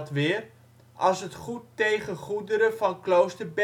weer als het goed tegen goederen van klooster